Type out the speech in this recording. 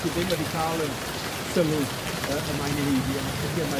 sy ddim wedi ca'l yr sylw yy y mae'n ei heiddi, on' yn sicir mae